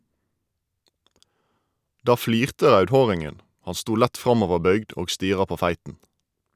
Da flirte raudhåringen; han sto lett framoverbøygd og stira på feiten.